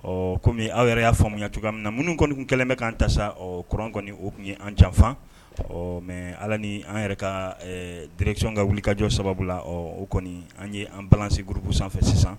Ɔ kɔmi aw yɛrɛ y'a faamuya ye cogo cogoya min na minnu kɔni kɛlen bɛ kan tasa o kuran kɔni o tun ye an janfan ɔ mɛ ala ni an yɛrɛ ka dsi ka wulikajɔ sababu la o kɔni an ye an balasi gurku sanfɛ sisan